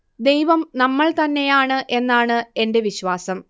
ദൈവം നമ്മൾ തന്നെയാണ് എന്നാണ് എന്റെ വിശ്വാസം